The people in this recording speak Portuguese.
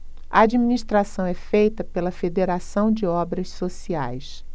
a administração é feita pela fos federação de obras sociais